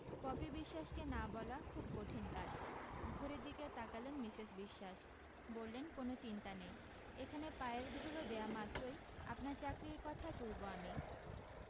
poppy বিশ্বাসকে না বলা খুব কঠিন কাজ ঘড়ির দিকে তাকালেন মিসেস বিশ্বাস বললেন কোনো চিন্তা নেই এখানে পায়ের ধুলো দেওয়া মাত্রি আপনার চাকরীর কথা তুলবো আমি